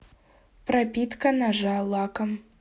пропитка ножа лаком